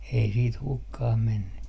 ei sitten hukkaan mennyt